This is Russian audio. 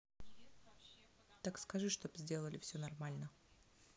так скажи чтоб сделали все нормально